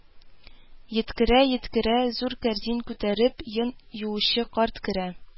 Йөткерә-йөткерә, зур кәрзин күтәреп, йон юучы карт керә